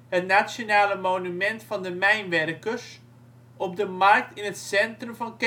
het nationale monument van de mijnwerkers, op de Markt in het centrum van Kerkrade